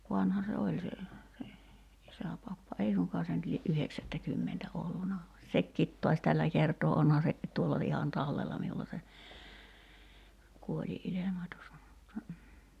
vanha se oli se se isäpappa ei suinkaan se nyt lie yhdeksättäkymmentä ollut vaan sekin taas tällä kertaa onhan se tuolla ihan tallella minulla se kuolinilmoitus mutta